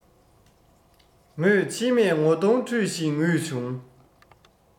མོས མཆིལ མས ངོ གདོང འཁྲུད བཞིན ངུས བྱུང